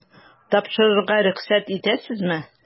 Тапшырырга рөхсәт итәсезме? ..